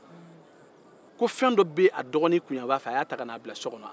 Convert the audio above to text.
ko fɛn dɔ be a dɔgɔnin kunyanfan fɛ a y'a ta ka n'a bila so kɔnɔ